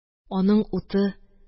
Аның уты